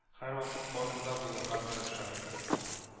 Һәрвакыт формада булырга тырыша